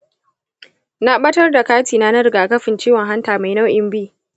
na ɓatar da katina na rigakafin ciwon hanta mai nau'in b.